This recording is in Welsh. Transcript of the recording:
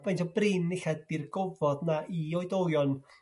faint o brin e'lla' 'di'r gofod 'na i oedolion,